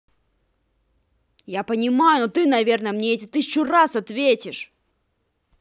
я понимаю но ты наверное мне эти тысячу раз ответишь